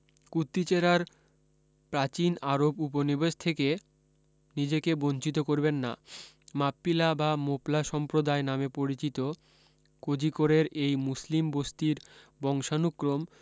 কুত্তিচেরার প্রাচীন আরব উপনিবেশ থেকে নিজেকে বঞ্চিত করবেন না মাপ্পিলা বা মোপ্লা সম্প্রদায় নামে পরিচিতি কোজিকোড়ের এই মুসলিম বস্তির বংশানুক্রম